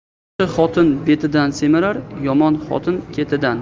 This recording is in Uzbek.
yaxshi xotin betidan semirar yomon xotin ketidan